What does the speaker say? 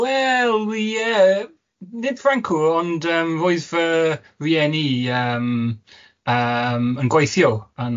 Wel ie, nid Ffrancwr ond yym roedd fy rieni i yym yym yn gweithio yn yn y Ffrainc.